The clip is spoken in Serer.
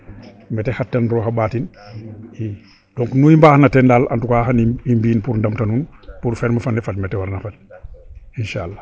Me ta xottan roog a ɓaatin i donc nu mbaagna ten daal en tout cas xan i mbi'in pour ndamta nuun pour ferme fene fad me ta warna fad insala.